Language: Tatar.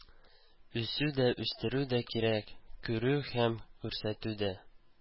Үсү дә үстерү дә кирәк, күрү һәм күрсәтү дә.